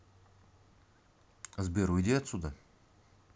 сбер уйди отсюда